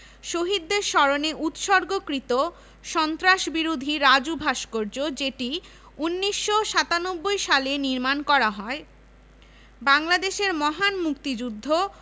১৯৭২ সালে অপরাজেয় বাংলা ভাস্কর্য স্থাপনের পরিকল্পনা গ্রহণ করে ১৯৭৯ সালের ১৬ ডিসেম্বর বিজয় দিবস উপলক্ষে ভাস্কর্যটি উদ্বোধন করা হয়